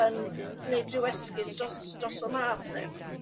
yn gwneud ryw esgus dros dros fy mab lly.